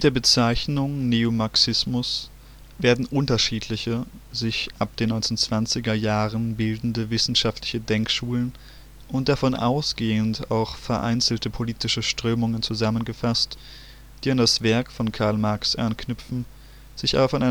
Bezeichnung Neomarxismus werden unterschiedliche, sich ab den 1920er Jahren bildende wissenschaftliche Denkschulen und davon ausgehend auch vereinzelte politische Strömungen zusammengefasst, die an das Werk von Karl Marx anknüpfen, sich aber von